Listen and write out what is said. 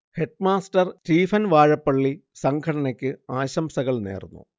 headmaster Stephen Vazhappally സംഘടനയ്ക്ക് ആശംസകൾ നേർന്നു